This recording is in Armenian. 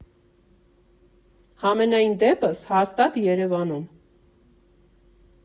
Համենայն դեպս, հաստա՛տ Երևանում։